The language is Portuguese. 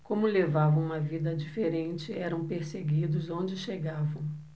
como levavam uma vida diferente eram perseguidos onde chegavam